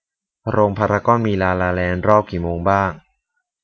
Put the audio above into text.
โรงพารากอนมีลาลาแลนด์รอบกี่โมงบ้าง